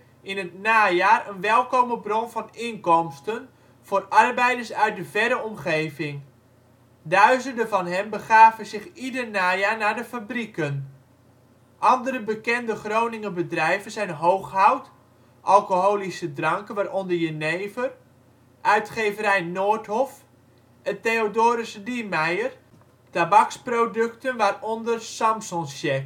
in het najaar een welkome bron van inkomsten voor arbeiders uit de verre omgeving. Duizenden van hen begaven zich ieder najaar naar de fabrieken. Andere bekende Groninger bedrijven zijn Hooghoudt (alcoholische dranken, waaronder jenever), uitgeverij Noordhoff en Theodorus Niemeyer (tabaksproducten, waaronder Samson-shag